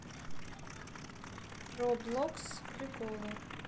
роблокс приколы